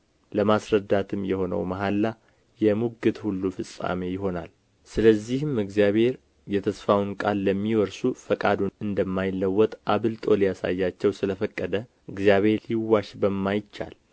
ለማስረዳትም የሆነው መሐላ የሙግት ሁሉ ፍጻሜ ይሆናል ስለዚህም እግዚአብሔር የተስፋውን ቃል ለሚወርሱ ፈቃዱ እንደ ማይለወጥ አብልጦ ሊያሳያቸው ስለ ፈቀደ እግዚአብሔር ሊዋሽ በማይቻል